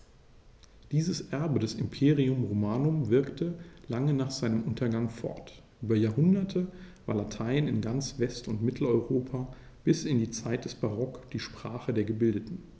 Dieses Erbe des Imperium Romanum wirkte lange nach seinem Untergang fort: Über Jahrhunderte war Latein in ganz West- und Mitteleuropa bis in die Zeit des Barock die Sprache der Gebildeten.